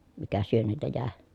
mikä syönniltä jäi